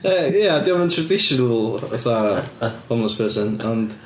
Ia ia, 'di o'm yn traditional fatha homeless person, ond...